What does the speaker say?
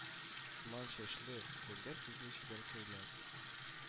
Сыман чәчле, зәңгәр күзле чибәркәйләр